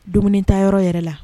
Dumuni ta yɔrɔ yɛrɛ la